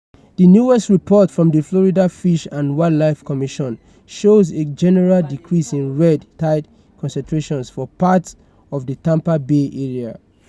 The newest report from the Florida Fish and Wildlife Commission shows a general decrease in Red Tide concentrations for parts of the Tampa Bay area.